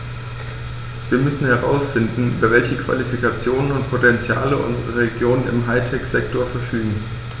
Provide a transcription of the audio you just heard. Wir müssen herausfinden, über welche Qualifikationen und Potentiale unsere Regionen im High-Tech-Sektor verfügen.